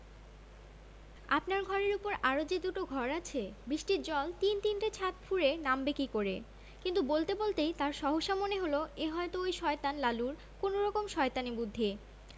আপনার ঘরের উপর আরও যে দুটো ঘর আছে বৃষ্টির জল তিন তিনটে ছাত ফুঁড়ে নামবে কি করে কিন্তু বলতে বলতেই তাঁর সহসা মনে হলো এ হয়ত ঐ শয়তান লালুর কোনরকম শয়তানি বুদ্ধি